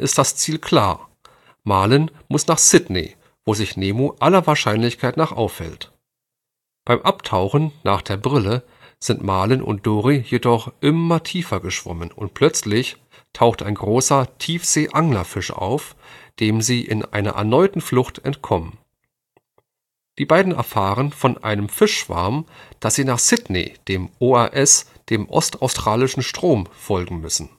das Ziel klar, Marlin muss nach Sydney, wo sich Nemo aller Wahrscheinlichkeit nach aufhält. Beim Abtauchen nach der Brille sind Marlin und Dorie jedoch immer tiefer geschwommen, und plötzlich taucht ein großer Tiefsee-Anglerfisch auf, dem sie in einer erneuten Flucht entkommen. Die beiden erfahren von einem Fischschwarm, dass sie nach Sydney dem „ OAS “, dem Ostaustralstrom, folgen müssen